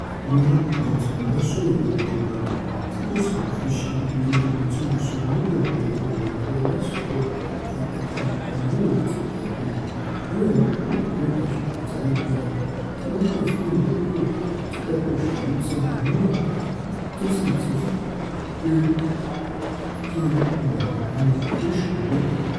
Nígbàkúùgbà tí Mo bá sọ̀rọ̀ ni gbangba - tí kòsì ní fiṣe irú ohun ti Mo sọ - níbẹ̀ ni àwọn ọ̀rọ̀ èèbú alásọfitakoni kan yóò ti tẹ̀lé e lórí àwọn ojú-òpó ìbáṣepọ̀ ti ayelujara tíwọn ńpè fún ìyọkúrò, títako òṣèlú ti ààrin náà, tó sì ńsọ fún mi wí pé kòyẹ ki N wà nínú ẹgbẹ́ òṣèlú Labour.